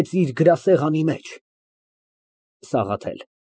Մարդուս իրանիցն է կախված այսպես կամ այնպես տրամադրել իրան։ Ահ, այս անիծվածը չի կապվում։